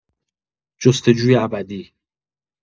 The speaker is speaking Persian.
جستجوی ابدی